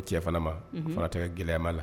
Cɛ fana ma fana tɛ gɛlɛya' la